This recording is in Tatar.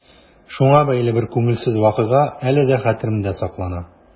Шуңа бәйле бер күңелсез вакыйга әле дә хәтеремдә саклана.